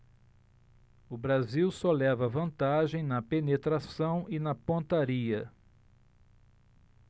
o brasil só leva vantagem na penetração e na pontaria